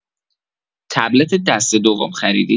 تبلت دسته دوم خریدی؟